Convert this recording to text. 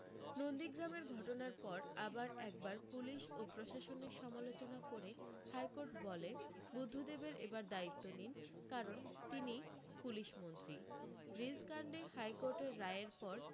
নন্দীগ্রামের ঘটনার পর আবার একবার পুলিশ ও প্রশাসনের সমালোচনা করে হাইকোর্ট বলে বুদ্ধদেবের এবার দায়িত্ব নিন কারণ তিনিই পুলিশ মন্ত্রী রিজ কাণ্ডে হাইকোর্টের রায়ের পর